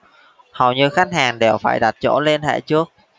hầu như khách hàng đều phải đặt chỗ liên hệ trước